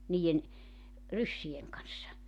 niiden ryssien kanssa